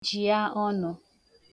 jia ọnụ̄